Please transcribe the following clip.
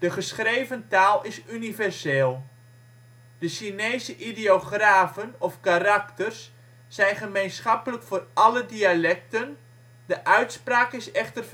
geschreven taal is universeel; de Chinese ideografen (of karakters) zijn gemeenschappelijk voor alle dialecten, de uitspraak is echter